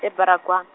e- Baragwana.